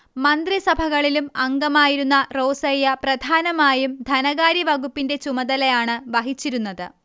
മന്ത്രിസഭകളിലും അംഗമായിരുന്ന റോസയ്യ പ്രധാനമായും ധനകാര്യവകുപ്പിന്റെ ചുമതലയാണ് വഹിച്ചിരുന്നത്